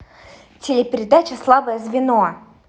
телепередача слабое звено